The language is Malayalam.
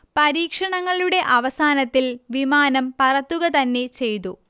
പരീക്ഷണങ്ങളുടെ അവസാനത്തിൽ വിമാനം പറത്തുകതന്നെ ചെയ്തു